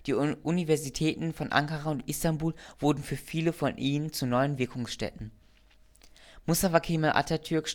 Universitäten von Ankara und Istanbul wurden für viele von ihnen zu neuen Wirkungsstätten. Mustafa Kemal Atatürk